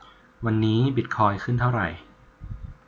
วันนี้บิทคอยน์ขึ้นเท่าไหร่